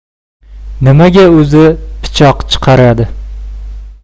nimaga uzi pichoq chiqaradi